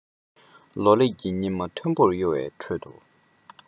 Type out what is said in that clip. ལོ ལེགས ཀྱི སྙེ མ མཐོན པོར གཡོ བའི ཁྲོད དུ